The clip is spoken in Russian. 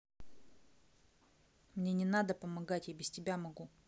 мне не надо помогать я без тебя могу